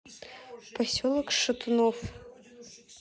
поселок шатунов